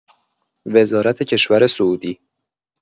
وزارت کشور سعودی